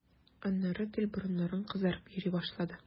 Аннары гел борыннарың кызарып йөри башлады.